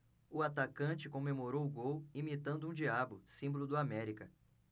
o atacante comemorou o gol imitando um diabo símbolo do américa